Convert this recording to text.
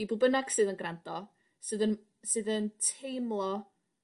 i bw' bynnag sydd yn grando sydd yn sydd yn teimlo